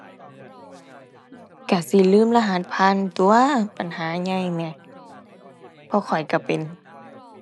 ก็สิลืมรหัสผ่านตั่ว ปัญหาใหญ่แหม เพราะข้อยก็เป็น